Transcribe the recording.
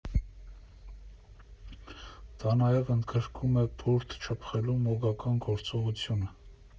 Դա նաև ընդգրկում է բուրդ չփխելու մոգական գործողությունը։